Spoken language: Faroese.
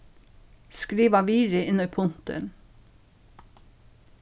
skriva virðið inn í puntin